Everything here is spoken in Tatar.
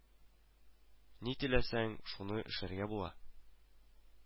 Ни теләсәң, шуны эшләргә була